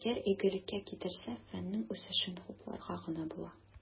Әгәр игелеккә китерсә, фәннең үсешен хупларга гына була.